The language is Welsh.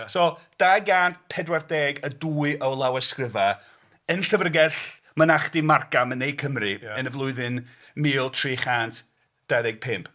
So dau gant pedwar deg a dwy o lawysgrifau yn llyfrgell mynachdy Margam yn Ne Cymru yn y flwyddyn mil tri chant dau ddeg pump.